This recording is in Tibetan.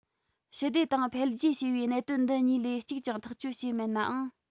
ཞི བདེ དང འཕེལ རྒྱས ཞེས པའི གནད དོན འདི གཉིས ལས གཅིག ཀྱང ཐག གཅོད བྱས མེད ནའང